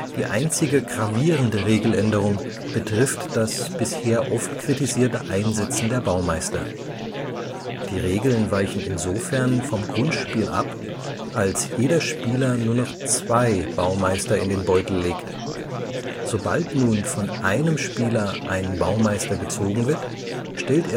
Die einzige gravierende Regeländerung betrifft das bisher oft kritisierte Einsetzen der Baumeister. Die Regeln weichen insofern vom Grundspiel ab, als jeder Spieler nur noch zwei Baumeister in den Beutel legt. Sobald nun von einem Spieler ein Baumeister gezogen wird, stellt